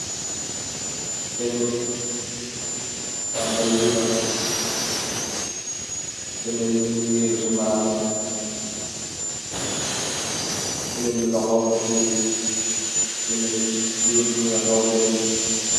Sèmènn bu andak yuram, sèmènn bi mungi wërru ci maraj. Sèmènn bi loho KO té, sèmènn bi yurr ngi mungi hawa dangu.